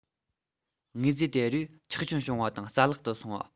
དངོས རྫས དེ རིགས ཆག སྐྱོན བྱུང བ དང རྩ བརླག ཏུ སོང བ